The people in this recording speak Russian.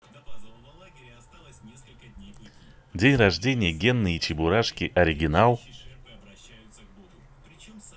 день рождения генные чебурашки оригинал